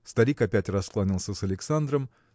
Старик опять раскланялся с Александром